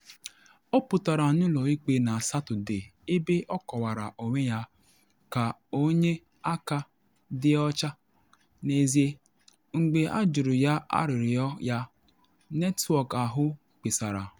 Ọ pụtara n’ụlọ ikpe na Satọde, ebe ọ kọwara onwe ya “ka ọ onye aka dị ọcha, n’ezie” mgbe ajụrụ ya arịrịọ ya, netwọk ahụ kpesara.